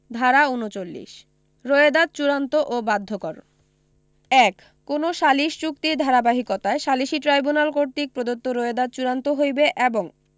ধারা ৩৯ রোয়েদাদ চূড়ান্ত ও বাধ্যকর ১ কোন সালিস চুক্তির ধারাবাহিকতায় সালিসী ট্রাইব্যুনাল কর্তৃক প্রদত্ত রোয়েদাদ চূড়ান্ত হইবে এবং